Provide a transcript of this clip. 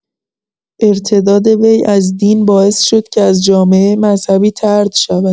ارتداد وی از دین باعث شد که از جامعه مذهبی طرد شود.